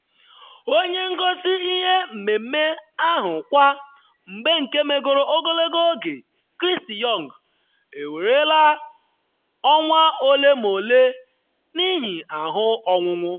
Onye ngosi ihe mmemme ahụ kwa mgbe nke megoro ogologo oge, Kirsty Young, enwerela ọnwa ole ma ole n’ihi ahụ ọnwụnwụ.